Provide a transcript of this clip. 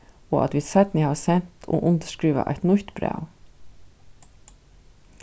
og at vit seinni hava sent og undirskrivað eitt nýtt bræv